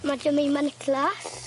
Ma' Jemima Nicholas.